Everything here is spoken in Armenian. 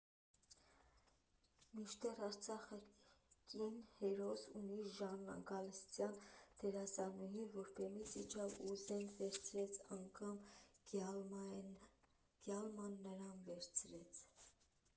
Մինչդեռ Արցախը կին հերոս ունի՝ Ժաննան Գալստյան՝ դերասանուհի, որ բեմից իջավ ու զենք վերցրեց (անգամ «գյալմա»֊ն նրան ներվեց)։